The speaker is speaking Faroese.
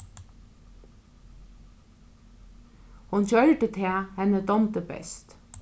hon gjørdi tað henni dámdi best